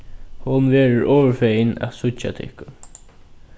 hon verður ovurfegin at síggja tykkum